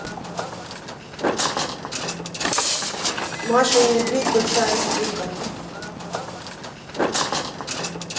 маша и медведь большая стирка